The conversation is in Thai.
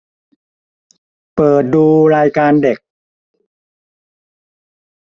เปิดดูรายการเด็ก